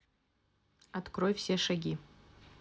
открой все шаги